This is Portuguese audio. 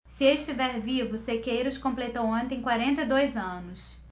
se estiver vivo sequeiros completou ontem quarenta e dois anos